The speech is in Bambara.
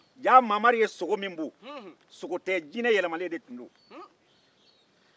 ja mamari ye sogo min bon tun ye jinɛ yɛlɛmanen ye